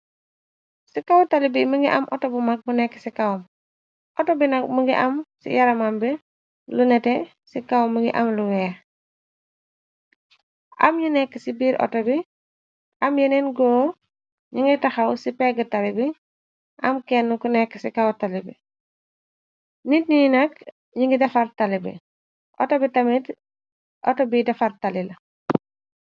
Ci kaw tali bi mi ngi am auto bu mag bu nekk ci kawm auto binak mu ngi am ci yaramam bi lu nete ckaw mungi am luweeh am ñi nekk ci biir auto bi am yeneen góo ñi ngay taxaw ci pegg tali bi am kenn ku nekk ci kaw tali bi nit yi nakk ñi ngi defar tali bi auto bi tamit auto bi defar tali la.